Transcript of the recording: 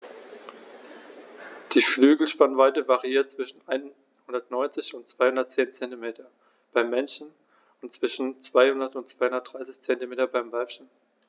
Die Flügelspannweite variiert zwischen 190 und 210 cm beim Männchen und zwischen 200 und 230 cm beim Weibchen.